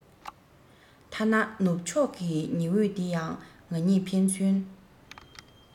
ཐ ན ནུབ ཕྱོག ཀྱི ཉི འོད འདི ཡང ང གཉིས ཕན ཚུན